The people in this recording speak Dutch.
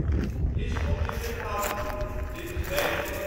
is om dit met de hand te doen. (Dit is meestal het geval